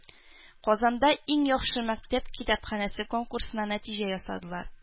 Казанда “Иң яхшы мәктәп китапханәсе” конкурсына нәтиҗә ясадылар